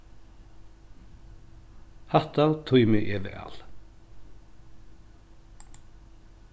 hatta tími eg væl